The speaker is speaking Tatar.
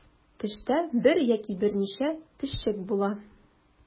Төштә бер яки берничә төшчек була.